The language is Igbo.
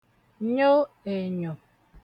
nyo ènyò